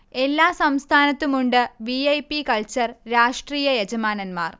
എല്ലാ സംസ്ഥാനത്തുമുണ്ട് V. I. P. Culture രാഷ്ട്രീയ യജമാനൻമാർ